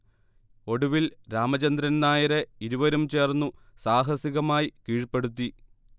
ഒടുവിൽ രാമചന്ദ്രൻ നായരെ ഇരുവരും ചേർന്നു സാഹസികമായി കീഴ്പെടുത്തി